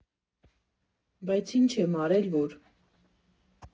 Բայց ի՞նչ եմ արել, որ…